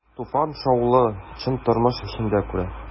Туфан шаулы, чын тормыш эчендә күрә.